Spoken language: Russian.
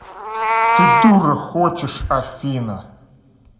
ты дура хочешь афина